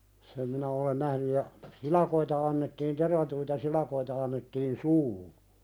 sen minä olen nähnyt ja silakoita annettiin tervattuja silakoita annettiin suuhun